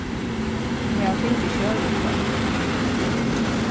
eg havi fingið skjølini frá tær